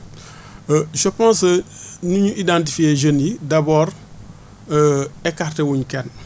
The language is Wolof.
je pense que nu ñuy identifier jeunes yi d' abord écarter wu ñu kenn